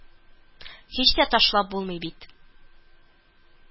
Һич тә ташлап булмый бит